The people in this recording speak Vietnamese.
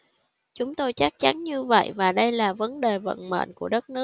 chúng tôi chắc chắn như vậy và đây là vấn đề vận mệnh của đất nước